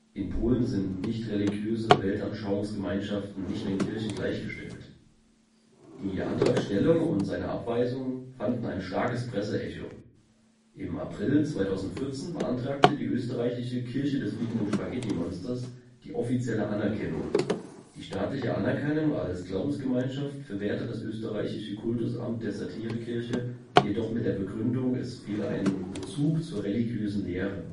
in Polen sind nichtreligiöse Weltanschauungsgemeinschaften nicht den Kirchen gleichgestellt). Die Antragstellung und seine Abweisung fanden ein starkes Presseecho. Im April 2014 beantragte die österreichische „ Kirche des Fliegenden Spaghettimonsters “die offizielle Anerkennung. Die staatliche Anerkennung als Glaubensgemeinschaft verwehrte das österreichische Kultusamt der Satire-Kirche jedoch mit der Begründung, es fehle ein Bezug zur religiösen Lehre